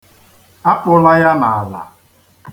Akpụla ya n'ala.